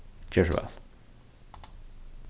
ger so væl